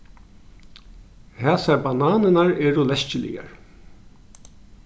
hasar bananirnar eru leskiligar